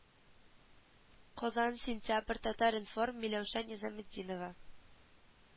Казан сентябрь татар-информ миләүшә низаметдинова